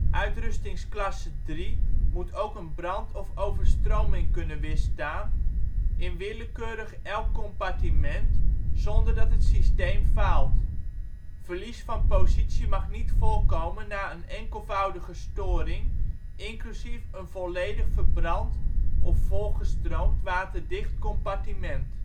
Uittrustingsklasse 3 moet ook een brand of overstroming kunnen weerstaan in willekeurig elk compartiment zonder dat het systeem faalt. Verlies van positie mag niet voorkomen na een enkelvoudige storing inclusief een volledig verbrand of volgestroomd waterdicht compartiment